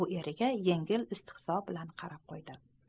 u eriga yengil istehzo bilan qarab qo'ydi